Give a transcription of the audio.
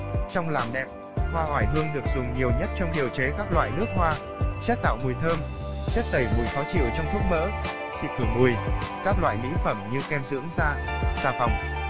trong làm đẹp hoa oải hương được dùng nhiều nhất trong điều chế các loại nước hoa chất tạo mùi thơm chất tẩy mùi khó chịu trong thuốc mỡ xịt khử mùi các loại mỹ phẩm như kem dưỡng da xà phòng